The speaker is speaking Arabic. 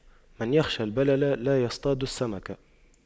من يخشى البلل لا يصطاد السمك